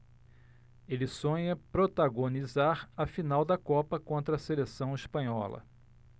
ele sonha protagonizar a final da copa contra a seleção espanhola